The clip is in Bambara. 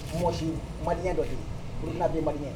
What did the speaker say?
Si man dɔ yen olu' bɛ manya